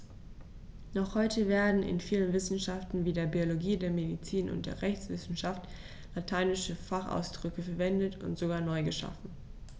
Noch heute werden in vielen Wissenschaften wie der Biologie, der Medizin und der Rechtswissenschaft lateinische Fachausdrücke verwendet und sogar neu geschaffen.